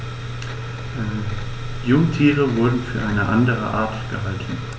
Jungtiere wurden für eine andere Art gehalten.